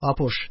Апуш